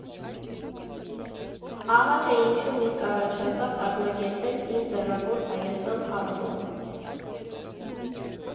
Ահա թե ինչու միտք առաջացավ կազմակերպել «Իմ ձեռագործ Հայաստան» փառատոնը։